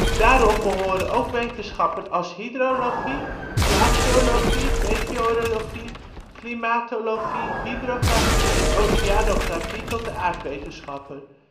Daarom behoren ook wetenschappen als hydrologie, glaciologie, meteorologie, klimatologie, hydrografie en oceanografie tot de aardwetenschappen